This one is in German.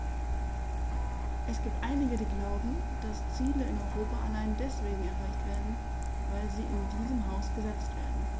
Es gibt einige, die glauben, dass Ziele in Europa allein deswegen erreicht werden, weil sie in diesem Haus gesetzt werden.